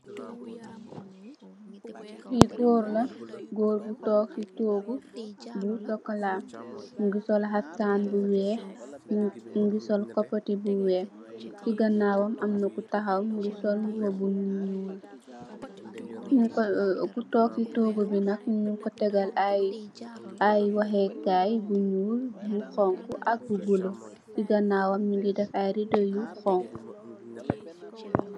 Ki gór la , gór gu tóógu bu sokola mungii sol xaptan bu wèèx mungii sol koppote bu wèèx. Ci ganaw am na ku taxaw mungii sol mbuba bu ñuul, ku tóóg ci tóógu bu na ñing ko tegal ay waxee kay bu ñuul , xonxu ak bula ci ganaw mungii def ay redo yu xonxu.